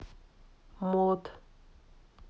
молот